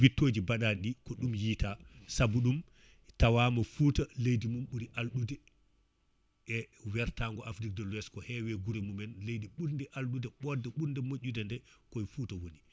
wittoji baɗaɗi ɗi ko ɗum yiita saabu ɗum tawama Fouta leydi mum ɓuuri alɗude e wertago Afrique de l' Ouest ko heewe guure mumen leydi ɓuurdi alɗude ɓodde ɓuurde moƴƴude koye Fouta woni